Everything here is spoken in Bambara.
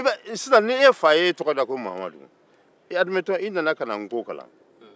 ni e fa y'i tɔgɔ da ko mamadu i nana nko kalan